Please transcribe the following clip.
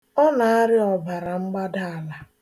Ọ na-arịa ọbaramgbadala